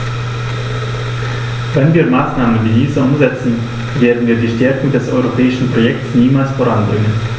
Wenn wir Maßnahmen wie diese umsetzen, werden wir die Stärkung des europäischen Projekts niemals voranbringen.